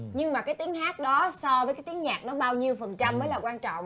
nhưng mà cái tiếng hát đó so với tiếng nhạc nó bao nhiêu phần trăm mới là quan trọng